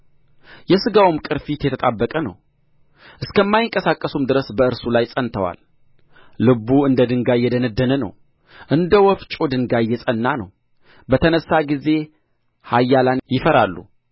የሥጋውም ቅርፊት የተጣበቀ ነው እስከማይንቀሳቀሱም ድረስ በእርሱ ላይ ጸንተዋል ልቡ እንደ ድንጋይ የደነደነ ነው እንደ ወፍጮ ድንጋይ የጸና ነው በተነሣ ጊዜ ኃያላን ይፈራሉ